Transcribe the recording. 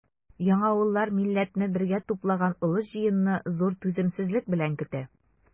Яңавыллар милләтне бергә туплаган олы җыенны зур түземсезлек белән көтә.